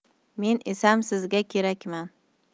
men esam sizga kerakman